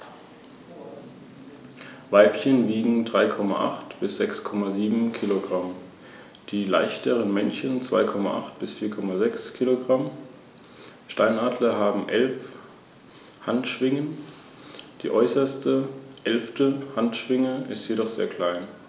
In den wenigen beobachteten Fällen wurden diese großen Beutetiere innerhalb von Sekunden getötet.